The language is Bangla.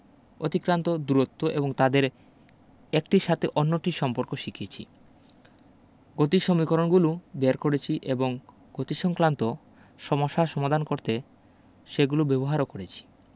অতিক্রান্ত দূরত্ব এবং তাদের একটির সাথে অন্যটির সম্পর্ক শিখেছি গতির সমীকরণগুলো বের করেছি এবং গতিসংক্লান্ত সমস্যা সমাধান করতে সেগুলো ব্যবহারও করেছি